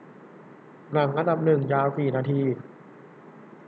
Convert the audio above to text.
หนังอันดับหนึ่งยาวกี่นาที